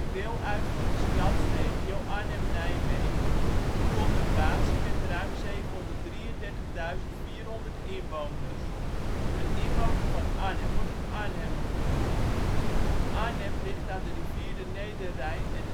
deel uit van de Stadsregio Arnhem Nijmegen (plusregio), een conurbatie met ruim 733.400 inwoners. Een inwoner van Arnhem wordt een Arnhemmer genoemd. Arnhem ligt aan de rivier de Nederrijn en